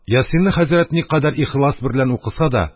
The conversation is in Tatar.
«ясин»ны хәзрәт никадәр ихлас берлән укыса да,